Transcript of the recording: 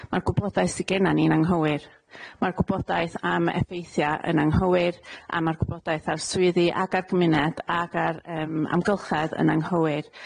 Ma'r gwbodaeth sy gennan ni'n anghywir, ma'r gwbodaeth am effeithia' yn anghywir, a ma'r gwbodaeth ar swyddi ag ar gymuned ag ar yym amgylchedd yn anghywir.